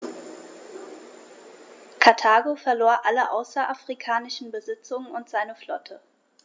Karthago verlor alle außerafrikanischen Besitzungen und seine Flotte.